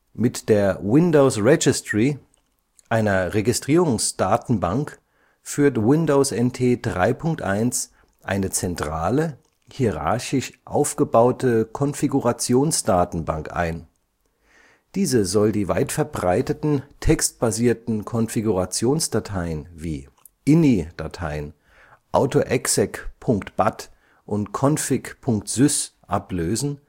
Mit der Windows-Registry, einer Registrierungsdatenbank, führt Windows NT 3.1 eine zentrale, hierarchisch aufgebaute Konfigurationsdatenbank ein. Diese soll die weit verbreiteten textbasierten Konfigurationsdateien, wie INI-Dateien, AUTOEXEC.BAT und CONFIG.SYS ablösen